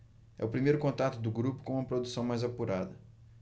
é o primeiro contato do grupo com uma produção mais apurada